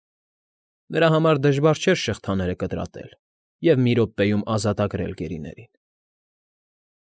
Նրա համար դժվար չէր շղթաները կտրատել և մի րոպեում ազատագրել գերիներին։